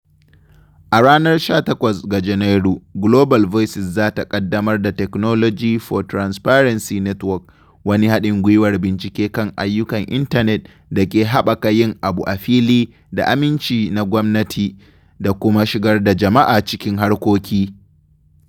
A ranar 18 ga Janairu, Global Voices za ta ƙaddamar da Technology for Transparency Network, wani haɗin gwiwar bincike kan ayyukan intanet da ke haɓaka yin abu a fili da aminci na gwamnati da kuma shigar jama'a cikin harkoki.